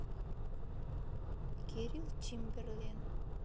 кирилл чимберлен